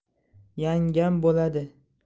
yangam boladi